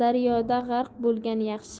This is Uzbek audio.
daryoda g'arq bo'lgan yaxshi